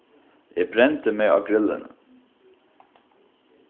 eg brendi meg á grillini